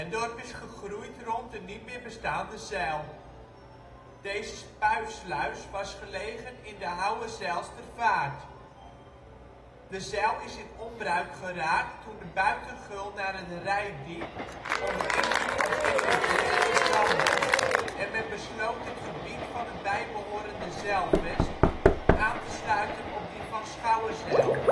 dorp is gegroeid rond de (niet meer bestaande) zijl. Deze spuisluis was gelegen in de Houwerzijlstervaart. De zijl is in onbruik geraakt toen de buitengeul naar het Reitdiep onder invloed van eb en vloed verzandde en men besloot het gebied van het bijbehorende zijlvest aan te sluiten op die van Schouwerzijl